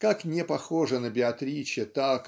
Как не похожа на Беатриче та